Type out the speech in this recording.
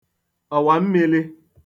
ọ̀wàmmīlī